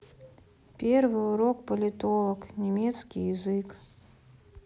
первый урок политолог немецкий язык